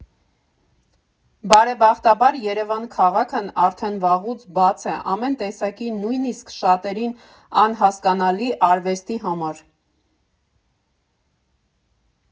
Բարեբախտաբար, Երևան քաղաքն արդեն վաղուց բաց է ամեն տեսակի, նույնիսկ շատերին անհասկանալի արվեստի համար։